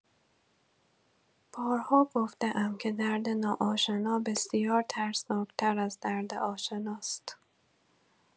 بارها گفته‌ام که درد ناآشنا بسیار ترسناک‌تر از درد آشناست.